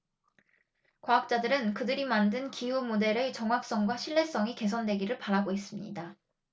과학자들은 그들이 만든 기후 모델의 정확성과 신뢰성이 개선되기를 바라고 있습니다